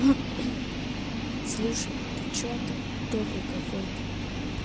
слушай ты че ты добрый какой то